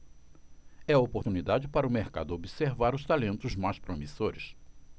é a oportunidade para o mercado observar os talentos mais promissores